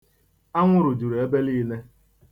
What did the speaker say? Anwụrụ juru ebe niile.